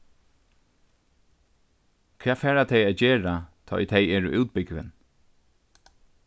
hvat fara tey at gera tá ið tey eru útbúgvin